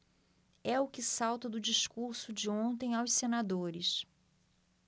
é o que salta do discurso de ontem aos senadores